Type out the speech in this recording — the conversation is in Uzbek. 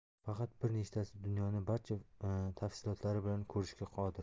faqat bir nechtasi dunyoni barcha tafsilotlari bilan ko'rishga qodir